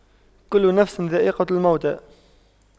كُلُّ نَفسٍ ذَائِقَةُ المَوتِ